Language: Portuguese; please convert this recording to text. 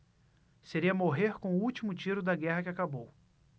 seria morrer com o último tiro da guerra que acabou